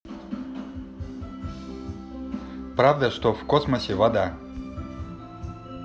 правда что в космосе вода